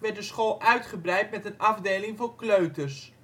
de school uitgebreid met een afdeling voor kleuters